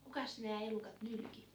kukas nämä elukat nylki